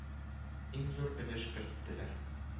Иң зур өлеш керттеләр.